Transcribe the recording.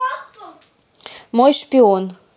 мой шпион